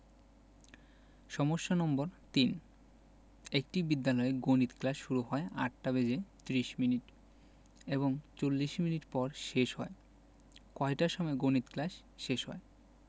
সমস্যা নম্বর ৩একটি বিদ্যালয়ে গণিত ক্লাস শুরু হয় ৮টা বেজে ৩০ মিনিট এবং ৪০ মিনিট পর শেষ হয় কয়টার সময় গণিত ক্লাস শেষ হয়